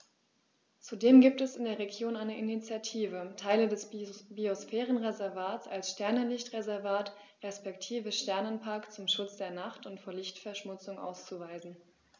Zudem gibt es in der Region eine Initiative, Teile des Biosphärenreservats als Sternenlicht-Reservat respektive Sternenpark zum Schutz der Nacht und vor Lichtverschmutzung auszuweisen.